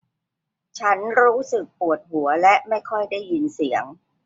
ฉันรู้สึกปวดหัวและไม่ค่อยได้ยินเสียง